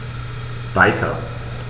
Weiter.